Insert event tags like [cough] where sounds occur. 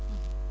[hesitation] [hesitation]